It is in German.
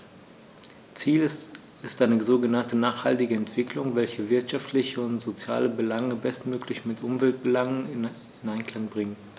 Ziel ist eine sogenannte nachhaltige Entwicklung, welche wirtschaftliche und soziale Belange bestmöglich mit Umweltbelangen in Einklang bringt.